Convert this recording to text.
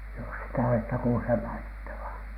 jos sitä olette kuulleet mainittavan